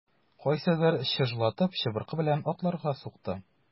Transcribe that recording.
Кайсыдыр чыжлатып чыбыркы белән атларга сукты.